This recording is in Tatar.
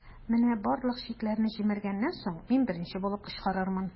Менә барлык чикләрне җимергәннән соң, мин беренче булып кычкырырмын.